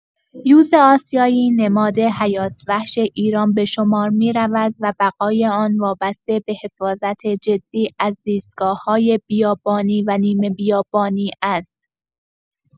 یوز آسیایی نماد حیات‌وحش ایران به شمار می‌رود و بقای آن وابسته به حفاظت جدی از زیستگاه‌های بیابانی و نیمه‌بیابانی است.